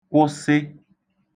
kwụsị